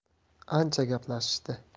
ancha gaplashishdi